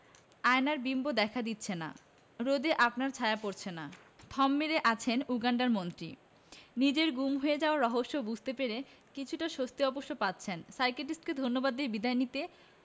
আয়নায় বিম্ব দেখা দিচ্ছে না রোদে আপনার ছায়া পড়ছে না... থম মেরে আছেন উগান্ডার মন্ত্রী নিজের গুম হয়ে যাওয়ার রহস্য বুঝতে পেরে কিছুটা স্বস্তিও অবশ্য পাচ্ছেন সাইকিয়াট্রিস্টকে ধন্যবাদ দিয়ে বিদায় নিতে